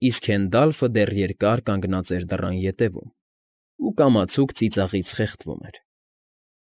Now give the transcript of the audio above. Իսկ Հենդալֆը դեռ երկար կանգնած էր դռան ետևում ու կամացուկ ծիծաղից խեղդվում էր։